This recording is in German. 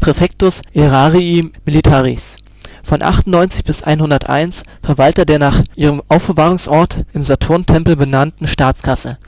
praefectus aerarii militaris), von 98 bis 101 Verwalter der nach ihrem Aufbewahrungsort im Saturntempel benannten Staatskasse